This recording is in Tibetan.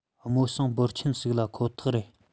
རྨོ ཞིང འབོར ཆེན ཞིག ལ ཁོ ཐག རེད